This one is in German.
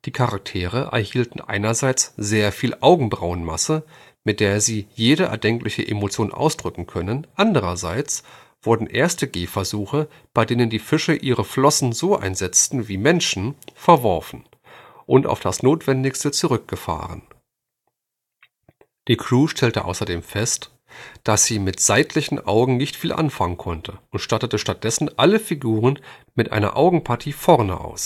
Charaktere erhielten einerseits sehr viel Augenbrauenmasse, mit der sie jede erdenkliche Emotion ausdrücken können, andererseits wurden erste Gehversuche, bei denen die Fische ihre Flossen so einsetzten wie Menschen, verworfen und auf das Notwendigste zurückgefahren. Die Crew stellte außerdem fest, dass sie mit seitlichen Augen nicht viel anfangen konnte und stattete stattdessen alle Figuren mit einer Augenpartie vorne aus